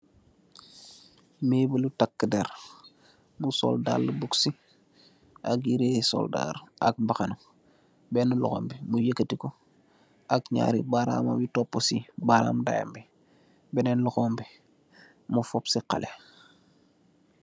Meboul li taka dèrr bu sol dalli buxs ak yirèh soldar ak mbàxna benna loxom bi mu yekati ko ak ñaari baram yi topuci baram ndeyam benen loxom bi mu fob ci xalèh.